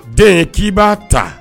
Deen k'i b'a ta